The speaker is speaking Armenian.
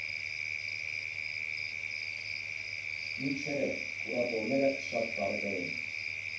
Ինչևէ, կուրատորները շատ տարբեր են։